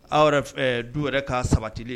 Aw yɛrɛ du yɛrɛ ka sabati